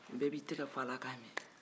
bɛɛ b'i tɛgɛ f'a la k'a min